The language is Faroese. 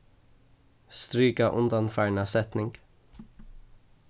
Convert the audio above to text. strika undanfarna setning